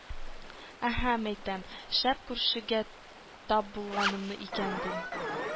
Әһә, мәйтәм, шәп күршегә тап булганмын икән, дим.